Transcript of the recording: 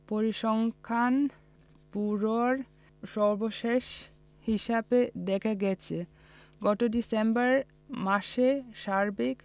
পরিসংখ্যান ব্যুরোর সর্বশেষ হিসাবে দেখা গেছে গত ডিসেম্বর মাসে সার্বিক